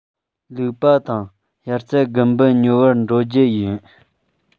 ལུག པགས དང དབྱར རྩྭ དགུན འབུ ཉོ བར འགྲོ རྒྱུ ཡིན